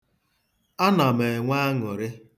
Ana m enwe anụrị.